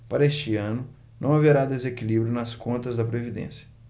para este ano não haverá desequilíbrio nas contas da previdência